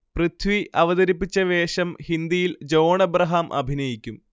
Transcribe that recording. പൃഥ്വി അവതരിപ്പിച്ച വേഷം ഹിന്ദിയിൽ ജോൺ ഏബ്രഹാം അഭിനയിക്കും